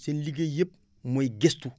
seen liggéey yëpp mooy gëstu